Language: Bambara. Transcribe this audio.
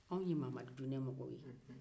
anw ye mamadudiinɛ mɔgɔw ye